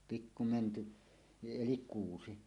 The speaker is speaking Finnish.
pikku mänty eli kuusi